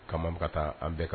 Kama ka taa an bɛɛ kan